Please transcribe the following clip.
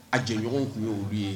A jɛɲɔgɔn tun ye olu ye